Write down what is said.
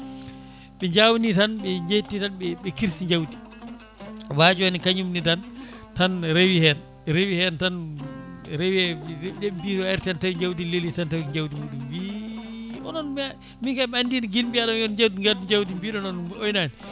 ɓe jawni tan ɓe jetti tan ɓe kirsi jawdi waaji one kañumne tan tan reewi hen reewi hen tan reewe aari tan tawi jawdi ne leeli tan tawi ko jawdi muɗum wii onon min kayi min andino guila mbiyeɗon yon gaddu jawdi mbiɗon on